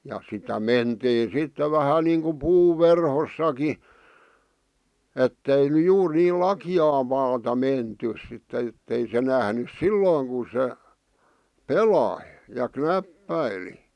ja sitä mentiin sitten vähän niin kuin puun verhossakin että ei nyt juuri niin lakeaa maata menty sitten että ei se nähnyt silloin kun se pelasi ja knäppäili